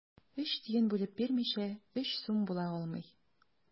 Өч тиен бүлеп бирмичә, өч сум була алмый.